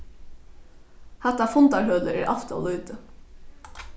hatta fundarhølið er alt ov lítið